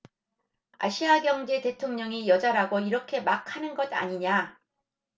아시아경제 대통령이 여자라고 이렇게 막 하는 것 아니냐